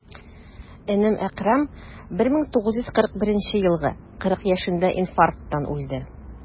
Энем Әкрам, 1941 елгы, 40 яшендә инфаркттан үлде.